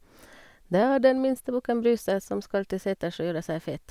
Det er den minste bukken Bruse, som skal til seters og gjøre seg fet.